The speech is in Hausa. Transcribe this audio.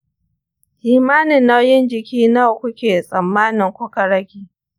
kimanin nauyin jiki nawa kuke tsammanin kuka rage?